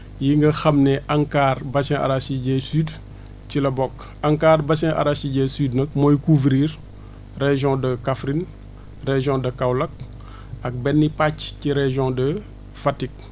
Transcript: yi nga xam ne ANCAR bassin archidier sud ci la bokk ANCAR bassin arachidier sud nag mooy couvrir région de Kaffrine région de Kaolack ak benn pàcc ci région de Fatick